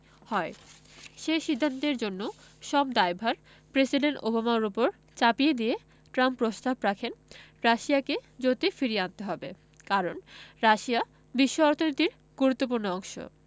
হয় সে সিদ্ধান্তের জন্য সব দায়ভার প্রেসিডেন্ট ওবামার ওপর চাপিয়ে দিয়ে ট্রাম্প প্রস্তাব রাখেন রাশিয়াকে জোটে ফিরিয়ে আনতে হবে কারণ রাশিয়া বিশ্ব অর্থনীতির গুরুত্বপূর্ণ অংশ